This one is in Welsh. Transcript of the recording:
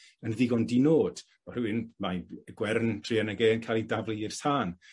yn ddigon di-nod. O rhywun... Mae Gwern druan ag e yn ca'l ei daflu i'r tân.